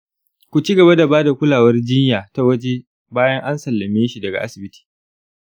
ku ci gaba da ba da kulawar jiyya ta waje bayan an sallame shi daga asibiti.